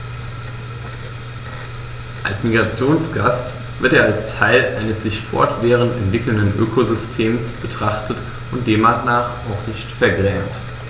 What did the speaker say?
Als Migrationsgast wird er als Teil eines sich fortwährend entwickelnden Ökosystems betrachtet und demnach auch nicht vergrämt.